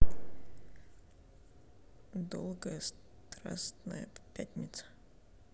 долгая страстная пятница